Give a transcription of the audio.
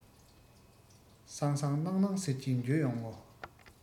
སང སང གནངས གནངས ཟེར གྱིན འགྱོད ཡོང ངོ